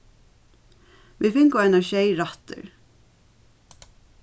vit fingu einar sjey rættir